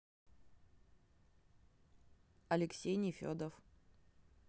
алексей нефедов